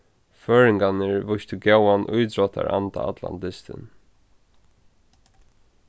føroyingarnir vístu góðan ítróttaranda allan dystin